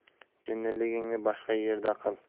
jinniligingni boshqa yerda qil